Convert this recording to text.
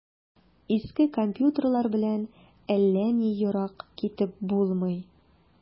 Иске компьютерлар белән әллә ни ерак китеп булмый.